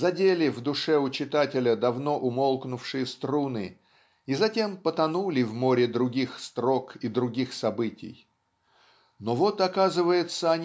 задели в душе у читателя давно умолкнувшие струны и затем потонули в море других строк и других событий. Но вот оказывается